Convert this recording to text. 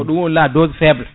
ko ɗum woni la dose faible